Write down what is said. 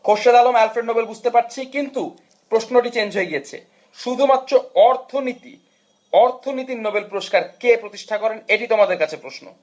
Khorshed Alam Alfred Nobel বুঝতে পারছি কিন্তু প্রশ্ন টি চেঞ্জ হয়ে গিয়েছে শুধুমাত্র অর্থনিতির অর্থনীতির নোবেল পুরস্কার কে প্রতিষ্ঠা করেন এটি তোমাদের কাছে প্রশ্ন